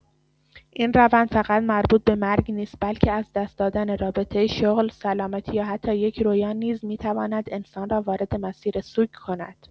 این روند فقط مربوط به مرگ نیست، بلکه از دست دادن رابطه، شغل، سلامتی یا حتی یک رویا نیز می‌تواند انسان را وارد مسیر سوگ کند.